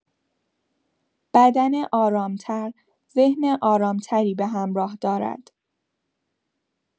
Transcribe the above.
بدن آرام‌تر، ذهن آرام‌تری به همراه دارد.